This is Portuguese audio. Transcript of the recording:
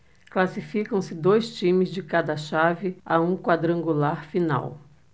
classificam-se dois times de cada chave a um quadrangular final